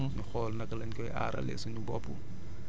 waaw tamit bu dee aar suñu suuf la